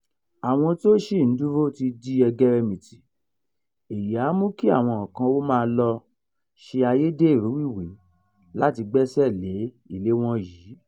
Àwọn tí ó ṣì ń dúró ti di ẹgẹrẹmìtì, èyí á mú kí àwọn kan ó máa lọ (ṣe ayédèrú ìwé láti) gbẹ́sẹ̀ lé ilé wọ̀nyí.